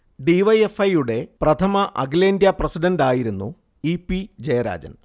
D. Y. F. I. യുടെ പ്രഥമ അഖിലേന്ത്യാ പ്രസിഡണ്ട് ആയിരുന്നു ഇ. പി. ജയരാജൻ